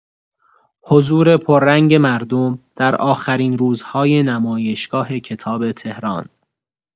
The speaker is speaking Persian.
حضور پر رنگ مردم در آخرین روزهای نمایشگاه کتاب تهران